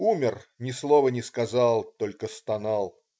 Умер, ни слова не сказал, только стонал.